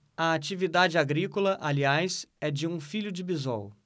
a atividade agrícola aliás é de um filho de bisol